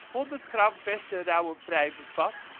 100 gram verse (rauwe) prei bevat